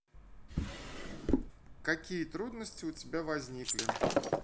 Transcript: какие трудности у тебя возникли